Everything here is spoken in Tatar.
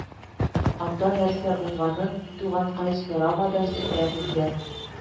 Анда нәрсә булганын, туганкай, сорама да, сөйләмим дә